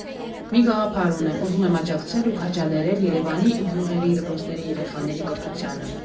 Մի գաղափար ունեմ, ուզում եմ աջակցել ու քաջալերել Երևանի ու գյուղերի դպրոցների երեխաների կրթությանը։